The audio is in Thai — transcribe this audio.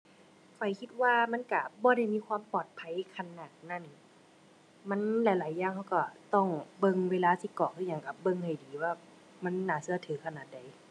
ข้อยคิดว่ามันก็บ่ได้มีความปลอดภัยขนาดนั้น มันหลายหลายอย่างก็ก็ต้องเบิ่งเวลาสิกรอกอิหยัง ก็เบิ่งให้ดีว่ามันน่าก็ถือขนาดใด